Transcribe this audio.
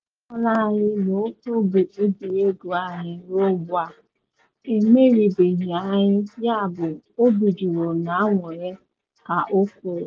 “Anwaala anyị n’ofe egwuregwu anyị ruo ugbu a, emeribeghị anyị, yabụ obi juru n’anụrị,” ka o kwuru.